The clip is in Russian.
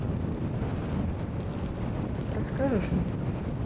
расскажешь мне